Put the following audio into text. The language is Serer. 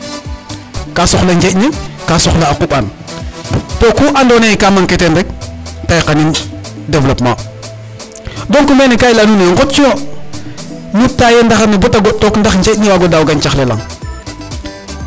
Ka soxla njeeƈ ne ka soxla a quɓaan to ku andoona yee ka manquer teen rek ta yaqanin développement donc mene ga i lay a nuun ee ngotyo nu tailler ndaxar ne ba ta goɗ took ndax njeeƈ ne waag o daaw gañcax le lanq